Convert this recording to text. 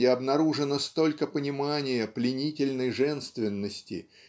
где обнаружено столько понимания пленительной женственности